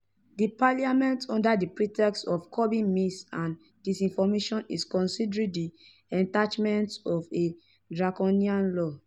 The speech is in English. The parliament, under the pretext of curbing mis- and disinformation, is considering the enactment of a draconian law.